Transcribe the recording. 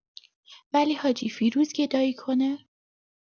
ولی حاجی‌فیروز گدایی کنه؟